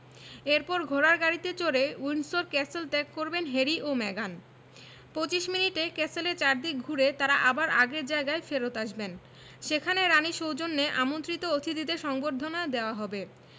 এরপর ঘোড়ার গাড়িতে চড়ে উইন্ডসর ক্যাসেল ত্যাগ করবেন হ্যারি ও মেগান ২৫ মিনিটে ক্যাসেলের চারদিক ঘুরে তাঁরা আবার আগের জায়গায় ফেরত আসবেন সেখানে রানির সৌজন্যে আমন্ত্রিত অতিথিদের সংবর্ধনা দেওয়া হবে